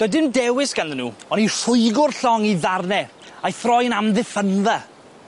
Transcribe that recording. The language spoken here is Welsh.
Doedd dim dewis ganddyn nw on' i rhwygo'r llong i ddarne a'i throi'n amddiffynfa.